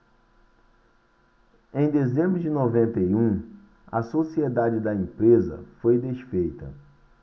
em dezembro de noventa e um a sociedade da empresa foi desfeita